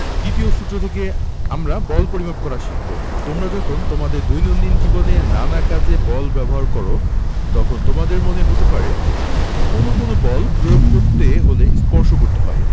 দ্বিতীয় সূত্র থেকে আমরা বল পরিমাপ করা শিখব তোমরা যখন তোমাদের দৈনন্দিন জীবনে নানা কাজে বল ব্যবহার করো তখন তোমাদের মনে হতে পারে কোনো কোনো বল প্রয়োগ করতে হলে স্পর্শ করতে হয়